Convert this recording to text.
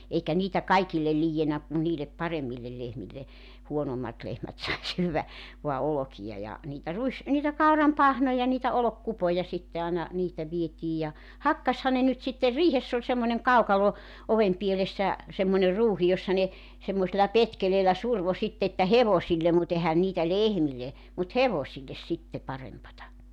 eikä niitä kaikille liiennyt kun niille paremmille lehmille huonommat lehmät sai syödä vain olkia ja niitä - niitä kauran pahnoja niitä olkikupoja sitten aina niitä vietiin ja hakkasihan ne nyt sitten riihessä oli semmoinen kaukalo oven pielessä semmoinen ruuhi jossa ne semmoisella petkeleellä survoi sitten että hevosille mutta eihän niitä lehmille mutta hevosille sitten parempaa